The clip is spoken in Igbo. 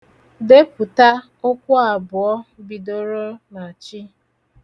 Depụta okwu abụọ bidoro na 'ch'.